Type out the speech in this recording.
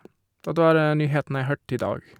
Dette var nyheten jeg hørte i dag.